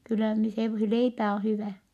kyllä niin se leipä on hyvä